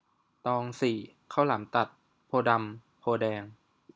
ตองสี่ข้าวหลามตัดโพธิ์ดำโพธิ์แดง